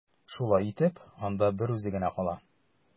Шулай итеп, анда берүзе генә кала.